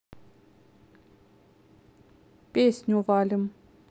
песню валим